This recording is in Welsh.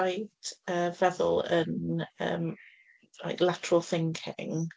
Rhaid, yy, feddwl yn, yym, like lateral thinking.